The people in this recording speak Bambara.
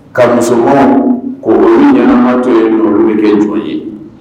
Ka muso kuluw ka olu ɲɛnaman tɔ yen, olu bi kɛ jɔn ye.